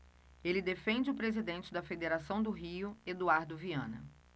ele defende o presidente da federação do rio eduardo viana